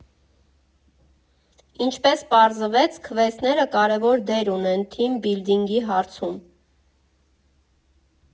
Ինչպես պարզվեց, քվեսթերը կարևոր դեր ունեն թիմ բիլդինգի հարցում։